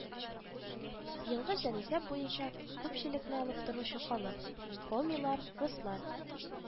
Елгы җанисәп буенча күпчелекне алып торучы халык: комилар, руслар